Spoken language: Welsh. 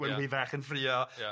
Gwenhwyfach yn ffruo... Ia...